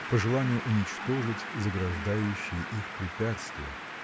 по желанию уничтожить заграждающие их препятствия.